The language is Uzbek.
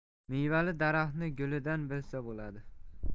mevali daraxtni gulidan bilsa bo'ladi